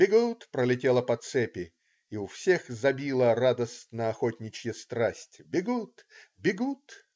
бегут!" - пролетело по цепи, и у всех забила радостно-охотничья страсть: бегут! бегут!